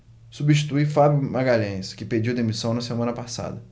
substitui fábio magalhães que pediu demissão na semana passada